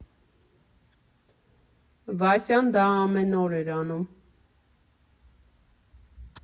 Վասյան դա ամեն օր էր անում։